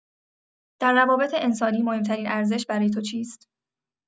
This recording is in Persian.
در روابط انسانی مهم‌ترین ارزش برای تو چیست؟